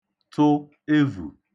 tụ evu